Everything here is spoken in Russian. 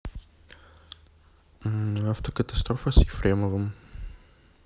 автокатастрофа с ефремовым